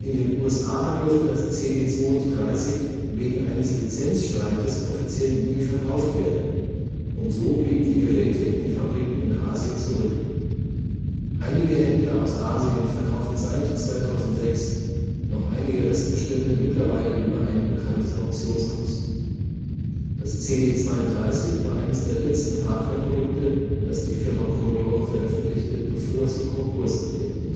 den USA durfte das CD³² wegen eines Lizenzstreites offiziell nie verkauft werden, und so blieben die Geräte in den Fabriken in Asien zurück. Einige Händler aus Asien verkaufen seit 2006 noch einige Restbestände mittlerweile über ein bekanntes Auktionshaus. Das CD³² war eines der letzten Hardware-Produkte, das die Firma Commodore veröffentlichte, bevor sie Konkurs anmelden